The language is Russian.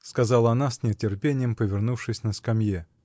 — сказала она, с нетерпением повернувшись на скамье.